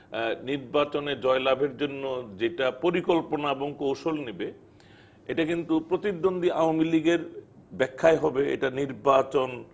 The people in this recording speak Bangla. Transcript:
নির্বাচনে জয়লাভের জন্য যেটা পরিকল্পনা বা এবং কৌশল নিবে এটা কিন্তু প্রতিদ্বন্দ্বী আওয়ামী লীগের ব্যাখ্যায় হবে এটা নির্বাচন